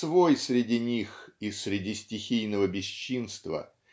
свой среди них и "среди стихийного бесчинства"